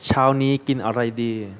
เช้านี้กินอะไรดี